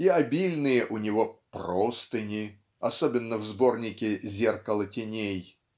и обильные у него "простыни" (особенно -- в сборнике "Зеркало теней").